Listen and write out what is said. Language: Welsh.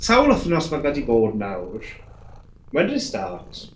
Sawl wythnos ma' fe 'di bod nawr? When did it start?